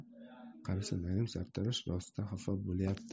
qarasam naim sartarosh rostdan xafa bo'lyapti